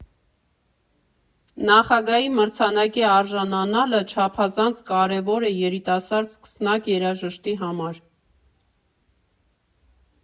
Նախագահի մրցանակի արժանանալը չափազանց կարևոր է երիտասարդ սկսնակ երաժշտի համար։